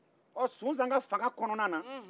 o sunsan ka fanga kɔnɔna na